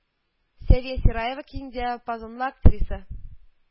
Сәвия Сираева киң диапазонлы актриса